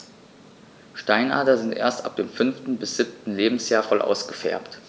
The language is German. Steinadler sind erst ab dem 5. bis 7. Lebensjahr voll ausgefärbt.